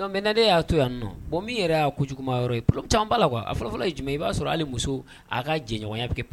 Ɔ, maintenant n'e y'a to yan nɔ min yɛrɛ y'a kojuguma yɔrɔ ye p bala a fɔlɔ fɔlɔ ye jumɛn i b'a sɔrɔ ale muso a ka jɛɲɔgɔnya bɛ